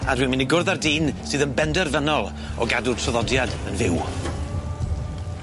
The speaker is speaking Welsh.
a dwi'n mynd i gwrdd â'r dyn sydd yn benderfynol o gadw'r traddodiad yn fyw.